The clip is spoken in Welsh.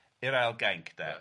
i'r ail gainc de.